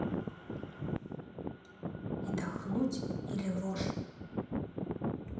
и дохнуть или ложь